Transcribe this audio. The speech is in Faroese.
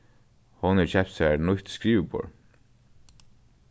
hon hevur keypt sær nýtt skriviborð